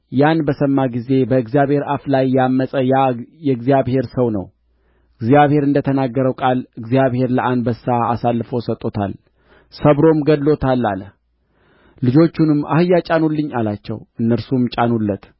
ያን በሰማ ጊዜ በእግዚአብሔር አፍ ላይ ያመፀ ያ የእግዚአብሔር ሰው ነው እግዚአብሔር እንደ ተናገረው ቃል እግዚአብሔር ለአንበሳ አሳልፎ ሰጥቶታል ሰብሮም ገድሎታል አለ ልጆቹንም አህያ ጫኑልኝ አላቸው እነርሱም ጫኑለት